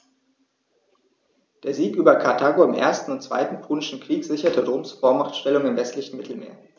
Der Sieg über Karthago im 1. und 2. Punischen Krieg sicherte Roms Vormachtstellung im westlichen Mittelmeer.